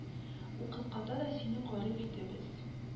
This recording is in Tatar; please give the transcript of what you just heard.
Укытканда да синнән гарык иде без